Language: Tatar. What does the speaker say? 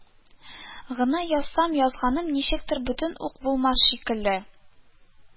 Гына язсам, язганым ничектер бөтен үк булмас шикелле